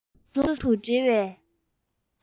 རྟོག བཟོ ཟུང དུ འབྲེལ བའི